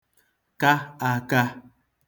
ka ākā